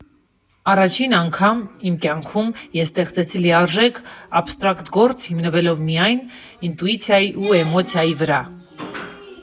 Առաջին անգամ իմ կյանքում ես ստեղծեցի լիարժեք աբստրակտ գործ, հիմնվելով միայն ինտուիցիայի ու էմոցիայի վրա»։